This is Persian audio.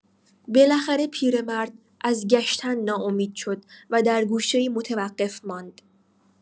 بالاخره پیرمرد از گشتن ناامید شد و در گوشه‌ای متوقف ماند.